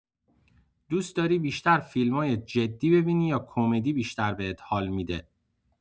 دوست‌داری بیشتر فیلمای جدی ببینی یا کمدی بیشتر بهت حال می‌ده؟